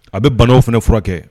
A bɛ banw fana furakɛ kɛ